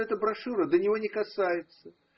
что эта брошюра до него не касается.